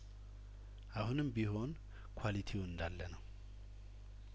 አሁንም ቢሆን ኳሊቲው እንዳለነው